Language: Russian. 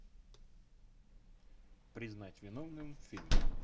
признать виновным фильм